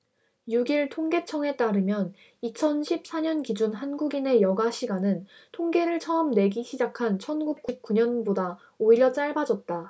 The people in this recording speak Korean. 육 일 통계청에 따르면 이천 십 사 년 기준 한국인의 여가 시간은 통계를 처음 내기 시작한 천 구백 구십 구 년보다 오히려 짧아졌다